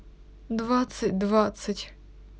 двадцать двадцать